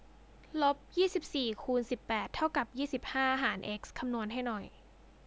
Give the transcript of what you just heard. ลบยี่สิบสี่คูณสิบแปดเท่ากับยี่สิบห้าหารเอ็กซ์คำนวณให้หน่อย